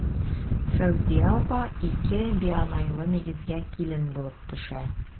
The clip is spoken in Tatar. Фәүзия апа ике бианайлы нигезгә килен булып төшә.